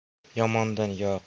yomondan yo qochib